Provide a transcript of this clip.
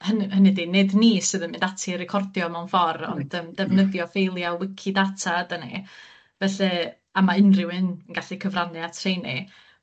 hyn- hynny ydi, nid ni sydd yn mynd ati i recordio mewn ffor, ond yym defnyddio ffeilia' Wicidata ydan ni felly a ma' unrywun yn gallu cyfrannu at rheini